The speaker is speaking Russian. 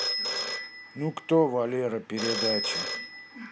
ну кто валера передача